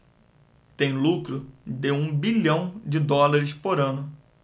tem lucro de um bilhão de dólares por ano